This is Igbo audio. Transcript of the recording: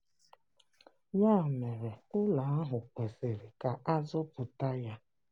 Ya mere, ụlọ ahụ kwesịrị ka a zọpụta ya.